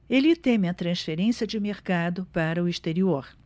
ele teme a transferência de mercado para o exterior